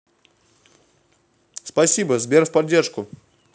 спасибо сбер в поддержку